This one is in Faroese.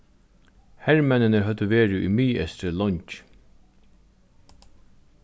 hermenninir høvdu verið í miðeystri leingi